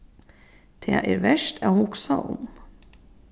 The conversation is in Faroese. tað er vert at hugsa um